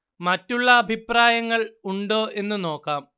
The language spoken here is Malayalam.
മറ്റുള്ള അഭിപ്രായങ്ങൾ ഉണ്ടോ എന്ന് നോക്കാം